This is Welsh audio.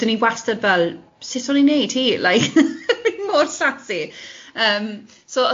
'dan ni wastad fel sut o'n i'n wneud hi like mor sassy yym so